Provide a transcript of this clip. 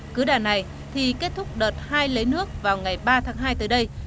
cứ đà này thì kết thúc đợt hai lấy nước vào ngày ba tháng hai tới đây